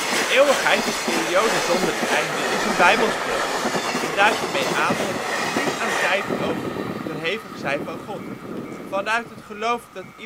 De eeuwigheid als periode zonder einde is een bijbels beeld. Men duidt ermee aan het niet-aan-tijd onderhevig zijn van God. Vanuit het geloof dat